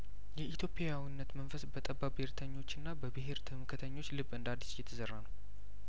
የኢትዮጵያዊነት መንፈስ በጠባብ ብሄርተኞችና በብሄር ትምክህተኞች ልብ እንደአዲስ እየተዘራ ነው